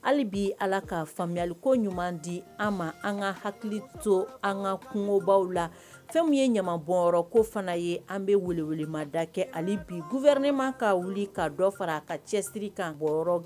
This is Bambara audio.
Hali bi ala ka faamuyali ko ɲuman di an ma an ka hakili to an ka kungobaw la fɛn min ye ɲaman bɔn ko fana ye , an bɛ welewele ma da kɛ hali bi gouvernement ka wuli ka dɔ fara a ka cɛsiri kan bɔ